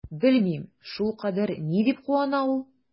Белмим, шулкадәр ни дип куана ул?